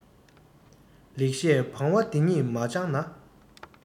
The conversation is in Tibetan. ལེགས བཤད བང བ འདི གཉིས མ སྦྱངས ན